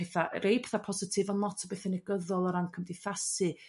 petha' yrr rei 'itha positif on' lot o bethe negyddol o ran cymdeithasu.